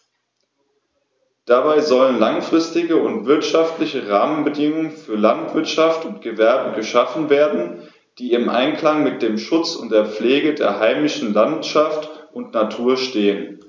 Dabei sollen langfristige und wirtschaftliche Rahmenbedingungen für Landwirtschaft und Gewerbe geschaffen werden, die im Einklang mit dem Schutz und der Pflege der heimischen Landschaft und Natur stehen.